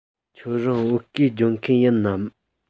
ཁྱོད རང བོད སྐད སྦྱོང མཁན ཡིན ནམ